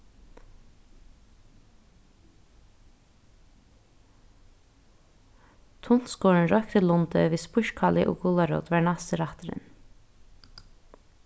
tunt skorin royktur lundi við spískkáli og gularót var næsti rætturin